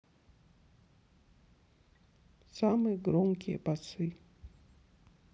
самые громкие басы